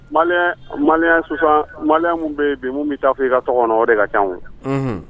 Yaya bɛ yen min bɛ taa fɔ i ka tɔgɔ kɔnɔ o de ka kan